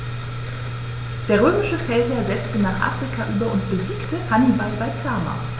Der römische Feldherr setzte nach Afrika über und besiegte Hannibal bei Zama.